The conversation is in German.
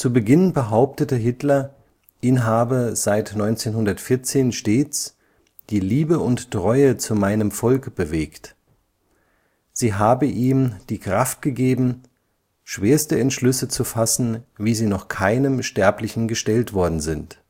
Beginn behauptete Hitler, ihn habe seit 1914 stets „ die Liebe und Treue zu meinem Volk bewegt “. Sie habe ihm die Kraft gegeben, „ schwerste Entschlüsse zu fassen, wie sie noch keinem Sterblichen gestellt worden sind